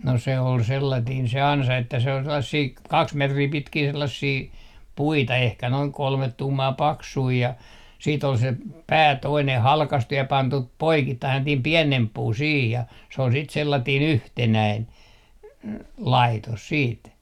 no se oli sellainen se ansa että se oli sellaisia kaksi metriä pitkiä sellaisia puita ehkä noin kolme tuumaa paksuja ja sitten oli se pää toinen halkaistu ja pantu poikittain sellainen pienempi puu siihen ja se oli sitten sellainen yhtenäinen laitos sitten